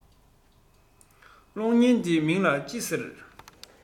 གློག བརྙན འདིའི མིང ལ ཅི ཟེར